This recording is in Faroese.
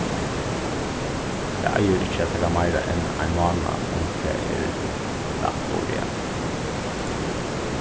tað eigur ikki at taka meira enn ein mánaða um tað er rætt borið at